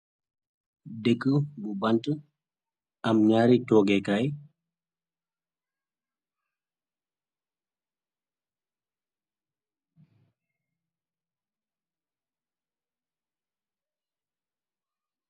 Dekka bu banta am ñaari toogekaay.